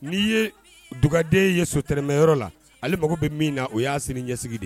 N' ye dugden ye sotɛmɛyɔrɔ la ale mago bɛ min na o y'a sini ɲɛsigi de ye